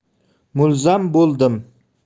mulzam bo'ldim